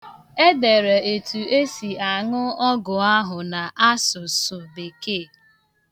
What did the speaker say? E dere etu esi aṅụ ọgwụ ahụ n'asụsụ Bekee.